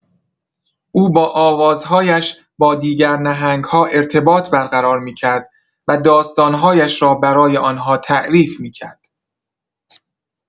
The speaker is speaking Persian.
او با آوازهایش با دیگر نهنگ‌ها ارتباط برقرار می‌کرد و داستان‌هایش را برای آنها تعریف می‌کرد.